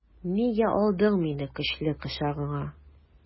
Нигә алдың мине көчле кочагыңа?